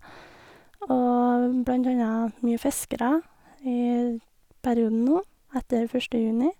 Og blant anna mye fiskere i perioden nå etter første juni.